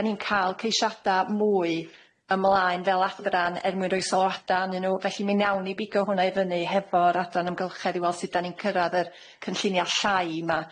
'Dan ni'n ca'l ceisiada' mwy ymlaen fel adran er mwyn roi sylwada' annyn nw, felly mi nawn ni bigo hwn'na i fyny hefo'r Adran Amgylchedd i weld sud 'dan ni'n cyrradd yr cynllunia' llai 'ma.